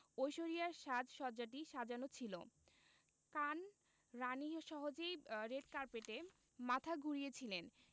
ঐশ্বরিয়ার সাজ সজ্জাটি সাজানো ছিল কান রাণী সহজেই রেড কার্পেটে মাথা ঘুরিয়েছিলেন